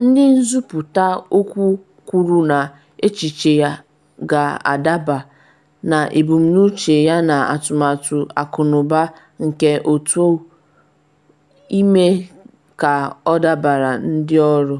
Ndị nzuputa okwu kwuru na echiche a “ga-adaba” na ebumnuche yana atụmatụ akụnụba nke otu a ime ka ọ dabaara ndị ọrụ.